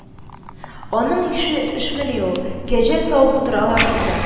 Аның ише эшмени ул, кәҗә савып утыралар шунда